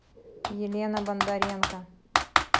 елена бондаренко